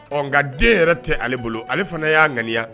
Ɔ nka den yɛrɛ tɛ ale bolo ale fana y'a ŋaniya